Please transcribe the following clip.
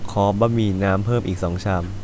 ขอบะหมี่น้ำเพิ่มอีกสองชาม